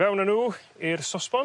Fewn â n'w i'r sosbon.